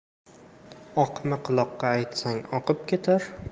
oqma quloqqa aytsang oqib ketar